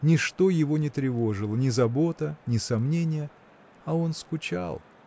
Ничто его не тревожило: ни забота, ни сомнение, а он скучал!